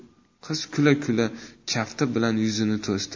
qiz kula kula kafti bilan yuzini to'sdi